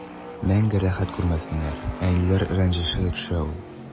Мәңге рәхәт күрмәсеннәр, әниләр рәнҗеше төшә ул.